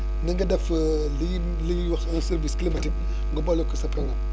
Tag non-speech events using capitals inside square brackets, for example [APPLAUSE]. na nga def [HESITATION] li li ñuy wax un [NOISE] service climatique [BREATH] nga boole ko sa programme